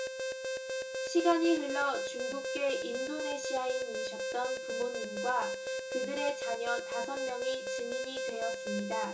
시간이 흘러 중국계 인도네시아인이셨던 부모님과 그들의 자녀 다섯 명이 증인이 되었습니다